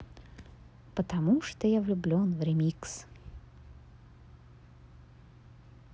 потому что я влюблен в remix